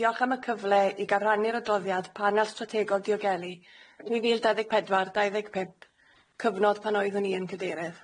Diolch am y cyfle i gafrannu'r adroddiad panel strategol diogelu nwy fil dau ddeg pedwar dau ddeg pump cyfnod pan oeddwn i yn cadeirydd.